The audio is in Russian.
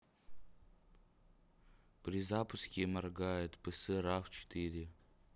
при запуске моргает пс раф четыре